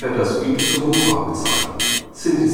das übliche Honorar bezahlen “(„ Cindy